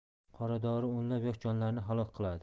qoradori o'nlab yosh jonlarni halok qiladi